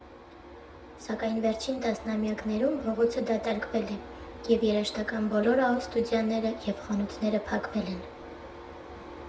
Սակայն վերջին տասնամյակներում փողոցը դատարկվել է, և երաժշտական բոլոր ստուդիաները և խանութները փակվել են։